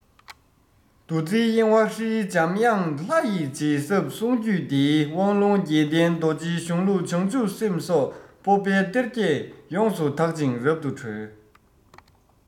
འདུ འཛིའི གཡེང བ ཧྲིལ འཇམ དབྱངས ལྷ ཡིས རྗེས ཟབ གསང རྒྱུད སྡེའི དབང ལུང རྒྱལ བསྟན མདོ སྡེའི གཞུང ལུགས བྱང ཆུབ སེམས སོགས སྤོབས པའི གཏེར བརྒྱད ཡོངས སུ དག ཅིང རབ ཏུ གྲོལ